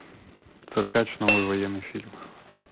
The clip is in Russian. циркач новый военный фильм